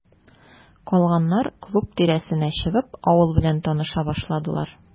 Калганнар, клуб тирәсенә чыгып, авыл белән таныша башладылар.